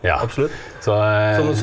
ja så .